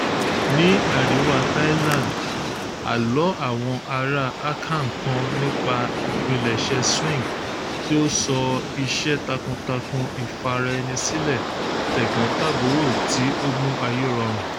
Ní àríwá Thailand, àlọ́ àwọn aráa Akha kan nípa ìpilẹ̀ṣẹ̀ swing tí ó sọ iṣẹ́ takuntakun ìfaraẹnisílẹ̀ t'ẹ̀gbọ́ntàbúrò tí ó mú ayé rọrùn.